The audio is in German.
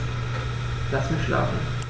Lass mich schlafen